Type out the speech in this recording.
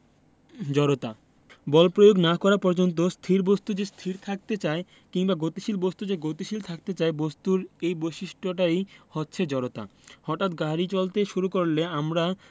জড়তা বল প্রয়োগ না করা পর্যন্ত স্থির বস্তু যে স্থির থাকতে চায় কিংবা গতিশীল বস্তু যে গতিশীল থাকতে চায় বস্তুর এই বৈশিষ্ট্যটাই হচ্ছে জড়তা হঠাৎ গাড়ি চলতে শুরু করলে আমরা